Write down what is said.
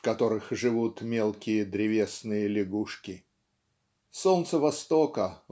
в которых живут мелкие древесные лягушки". Солнце востока